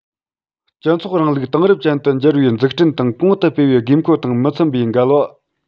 སྤྱི ཚོགས རིང ལུགས དེང རབས ཅན དུ འགྱུར བའི འཛུགས སྐྲུན དང གོང དུ སྤེལ བའི དགོས མཁོ དང མི འཚམ པའི འགལ བ